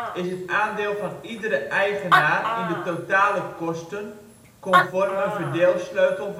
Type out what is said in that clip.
is het aandeel van iedere eigenaar in de totale kosten conform een verdeelsleutel